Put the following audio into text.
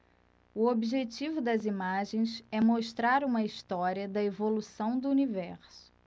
o objetivo das imagens é mostrar uma história da evolução do universo